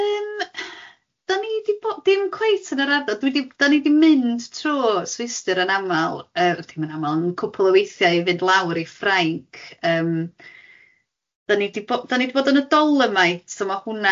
Yym dan ni di bod, dim cweit yn yr ardal dwi di da ni di mynd trwy Swistir yn amal yy dim yn amal yn cwpl o weithiau i fynd lawr i Ffrainc yym da ni di bod dan ni di bod yn y Dolomite so ma' hwnna